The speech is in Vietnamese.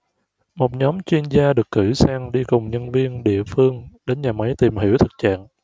một nhóm chuyên gia được cử sang đi cùng nhân viên địa phương đến nhà máy tìm hiểu thực trạng